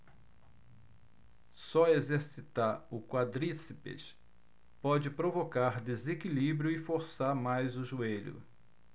só exercitar o quadríceps pode provocar desequilíbrio e forçar mais o joelho